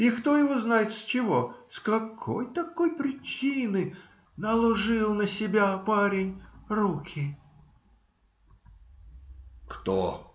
И кто его знает, с чего, с какой такой причины, наложил на себя парень руки? - Кто?